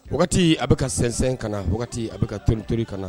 Wagati a bɛ ka sinsɛn ka na wagati a bɛ ka tourutori kana na